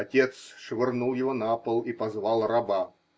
Отец швырнул его на пол и позвал раба.